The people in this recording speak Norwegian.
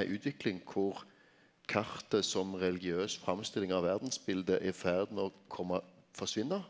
ei utvikling kor kartet som religiøs framstilling av verdsbildet er i ferd med å komma forsvinna.